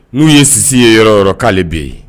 'u ye sisi ye yɔrɔ yɔrɔkaale bɛ ye